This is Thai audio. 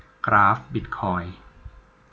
กราฟบิทคอยน์